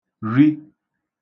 ri